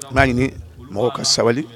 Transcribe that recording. N'a ɲini mɔgɔw ka sabali